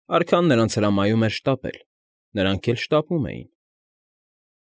Արքան նրանց հրամայում էր շտապել, նրանք էլ շտապում էին։